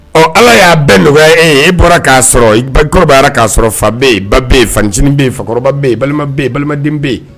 Ɔ ala y'a bɛɛ nɔgɔya e ye e bɔra k'a sɔrɔ i bakɔrɔba k'a sɔrɔ fabe yen ba bɛ ye fancinin bɛ ye yen fakɔrɔba bɛ ye balima ye balimaden bɛ yen